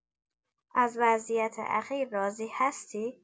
از وضعیت اخیر راضی هستی؟